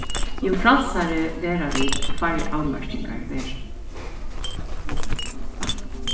jú frælsari verða vit og færri avmarkingar verða